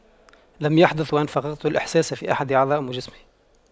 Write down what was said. لم يحدث وأن فقدت الإحساس في أحد اعضاء جسمي